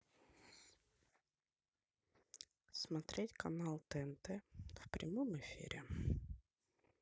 смотреть канал тнт в прямом эфире